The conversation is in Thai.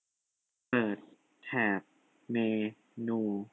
เปิดแถบเมนู